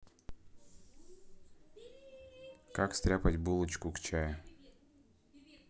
как стряпать булочку к чаю